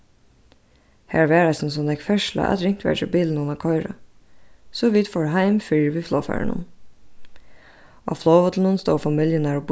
har var eisini so nógv ferðsla at ringt var hjá bilunum at koyra so vit fóru heim fyrr við flogfarinum á flogvøllinum stóðu familjurnar og